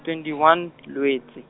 twenty one, Lwetse.